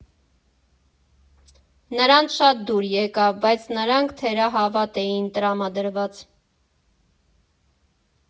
Նրանց շատ դուր եկավ, բայց նրանք թերահավատ էին տրամադրված.